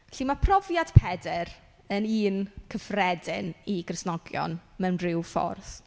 Felly ma' profiad Pedr yn un cyffredin i Gristnogion, mewn rhyw ffordd.